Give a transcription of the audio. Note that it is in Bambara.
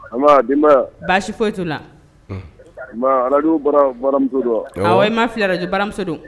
Anba denbaya? Baasi foyi t'u la. Un. Unbaa radio baramuso don wa? Awɔ. Awɔ i ma fili radio baramuso don.